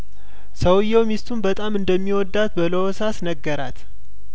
ሰውዬው ሚስቱን በጣም እንደሚወዳት በለሆሳ ስነገራት